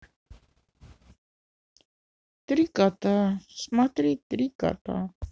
три кота смотреть три кота